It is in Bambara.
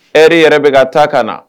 Hri yɛrɛ bɛ ka ta ka na